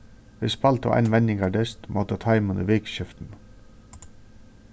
vit spældu ein venjingardyst móti teimum í vikuskiftinum